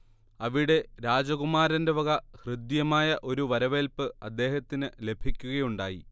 അവിടെ രാജകുമാരന്റെ വക ഹൃദ്യമായ ഒരു വരവേൽപ്പ് അദ്ദേഹത്തിന് ലഭിക്കുകയുണ്ടായി